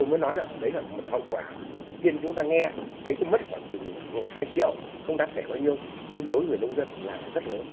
tôi muốn nói là đấy là một hậu quả khi chúng ta nghe thấy cũng mất khoảng chừng một hai triệu không đáng kể bao nhiêu nhưng đối người nông dân là rất lớn